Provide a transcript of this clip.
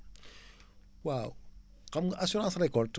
waaw xam nga assurance récolte